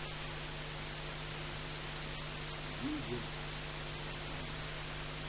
user яндекс